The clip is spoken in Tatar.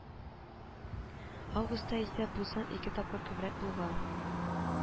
Августа исә бу сан ике тапкыр күбрәк булган